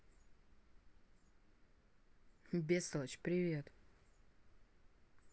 бестолочь привет